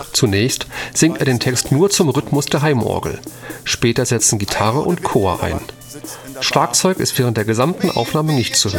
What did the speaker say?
Zunächst singt er den Text nur zum Rhythmus der Heimorgel; später setzen Gitarre und Chor ein. Schlagzeug ist während der gesamten Aufnahme nicht zu